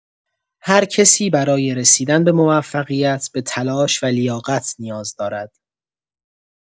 هر کسی برای رسیدن به موفقیت به تلاش و لیاقت نیاز دارد.